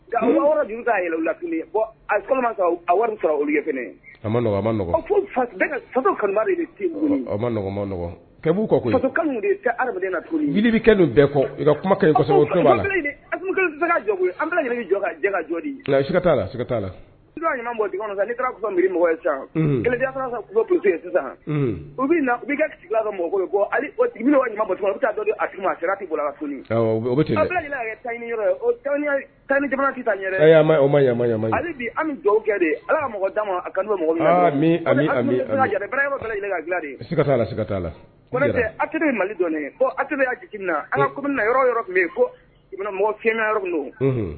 ' la wari sɔrɔ olu adama bɛɛ ka kuma jɔ ka ka sisan mɔgɔ ka a tan bi ami kɛ ala mɔgɔ ma mɔgɔ la a mali dɔn ko aa jigin na kɔmi na yɔrɔ yɔrɔ tun yen u mɔgɔka yɔrɔ don